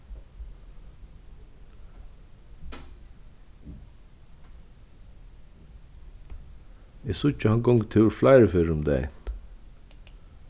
eg síggi hann gongur túr fleiri ferðir um dagin